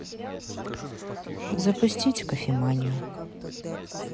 запустить кофеманию